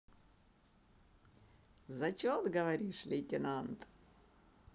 зачет говоришь лейтенант